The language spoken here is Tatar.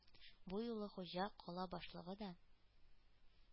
Бу юлы Хуҗа: «Кала башлыгы да